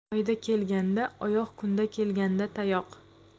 oyda kelganga oyoq kunda kelganga tayoq